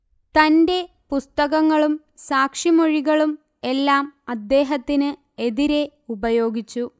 തന്റെ പുസ്തകങ്ങളും സാക്ഷിമൊഴികളും എല്ലാം അദ്ദേഹത്തിന് എതിരെ ഉപയോഗിച്ചു